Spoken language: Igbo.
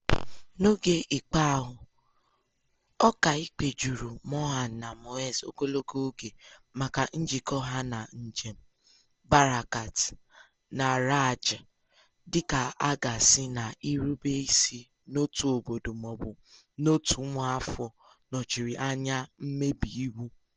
N'oge ikpe ahụ, ọkàikpe jụrụ Mohand na Moez ogologo oge maka njikọ ha na njem "Barakat!" na RAJ, dịka a ga-asị na irube isi n'òtù obodo maọbụ n'òtù ụmụafọ nọchiri anya mmebi iwu."